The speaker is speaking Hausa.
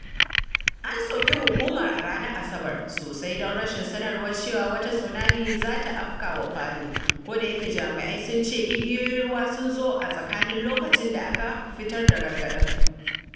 An soki hukumar a ranar Asabar sosai don rashin sanarwa cewa wata tsunami za ta afka wa Palu, kodayake jami’ai sun ce igiyoyin ruwa sun zo a tsakanin loƙacin da aka fitar da gargaɗin.